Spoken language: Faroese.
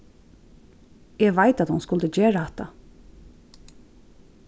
eg veit at hon skuldi gera hatta